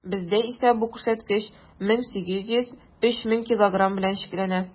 Бездә исә бу күрсәткеч 1800 - 3000 килограмм белән чикләнә.